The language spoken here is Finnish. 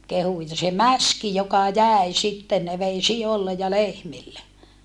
kehui ja se mäski joka jäi sitten ne vei sioille ja lehmille